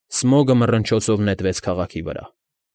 Սմոգը մռնչոցով նետվեց քաղաքի վրա։